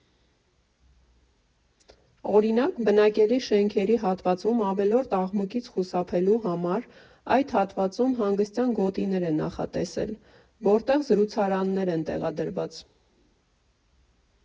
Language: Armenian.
Օրինակ՝ բնակելի շենքերի հատվածում ավելորդ աղմուկից խուսափելու համար, այդ հատվածում հանգստյան գոտիներ են նախատեսել, որտեղ զրուցարաններ են տեղադրված։